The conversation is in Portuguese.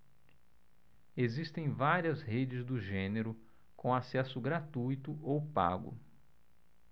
existem várias redes do gênero com acesso gratuito ou pago